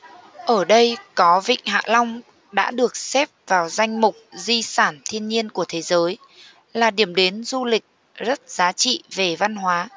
ở đây có vịnh hạ long đã được xếp vào danh mục di sản thiên nhiên của thế giới là điểm đến du lịch rất giá trị về văn hóa